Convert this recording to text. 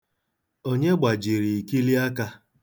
Onye gbajiri ikiliaka?